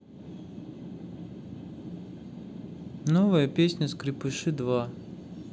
новая песня скрепыши два